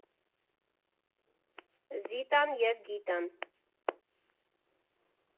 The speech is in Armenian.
Զիտան և Գիտան։